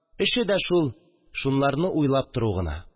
Эше дә шул: шуларны уйлап тору гына